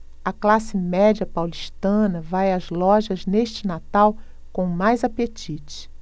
a classe média paulistana vai às lojas neste natal com mais apetite